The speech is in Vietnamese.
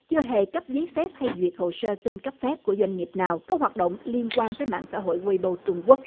chưa hề cấp giấy phép hay duyệt hồ sơ xin cấp phép của doanh nghiệp nào có hoạt động liên quan tới mạng xã hội uây bô trung quốc